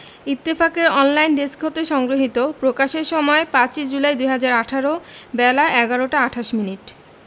ইত্তেফাকের online desk হতে সংগ্রহীত প্রকাশের সময় ৫ ই জুলাই ২০১৮ বেলা১১টা ২৮ মিনিট